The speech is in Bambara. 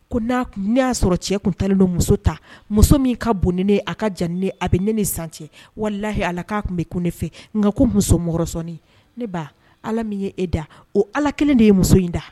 Ko n'a tun, n'a y'a sɔrɔ cɛ tun talen don muso ta, muso min ka bon ni ne ye, a ka jan ni ne ye, a bɛ ne ni san cɛ. Walahi Ala k'a tun bɛ kun ne fɛ nka ko muso mɔrɔsɔni. Ne ba Ala min ye e da o Ala kelen de ye muso in da.